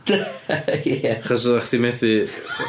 Ia... Achos doeddech chdi methu...